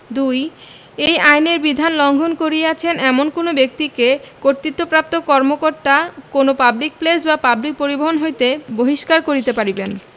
২ এই আইনের বিধান লংঘন করিয়অছেন এমন কোন ব্যক্তিকে কর্তৃত্বপ্রাপ্ত কর্মকর্তঅ কোন পাবলিক প্লেস বা পাবলিক পরিবহণ হইতে বহিষ্কার করিতে পারিবেন